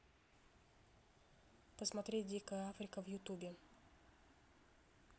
посмотреть дикая африка в ютубе